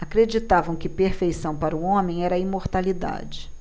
acreditavam que perfeição para o homem era a imortalidade